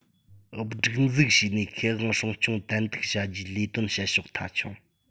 སྒྲིག འཛུགས བྱས ནས ཁེ དབང སྲུང སྐྱོང ཏན ཏིག བྱ རྒྱུའི ལས དོན བྱེད ཕྱོགས མཐའ འཁྱོངས